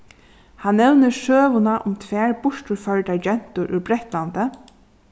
hann nevnir søguna um tvær burturførdar gentur úr bretlandi